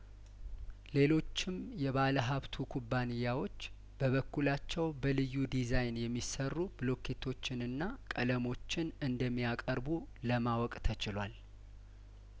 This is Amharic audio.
ሌሎችም የባለሀብቱ ኩባንያዎች በበኩላቸው በልዩ ዲዛይን የሚሰሩ ብሎኬቶችንና ቀለሞችን እንደሚያቀርቡ ለማወቅ ተችሏል